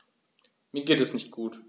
Mir geht es nicht gut.